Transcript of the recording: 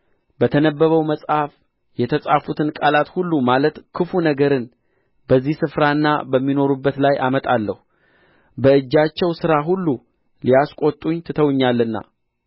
በተነበበው መጽሐፍ የተጻፉትን ቃላት ሁሉ ማለት ክፉ ነገርን በዚህ ስፍራና በሚኖሩበት ላይ አመጣለሁ በእጃቸው ሥራ ሁሉ ሊያስቈጡኝ ትተውኛልና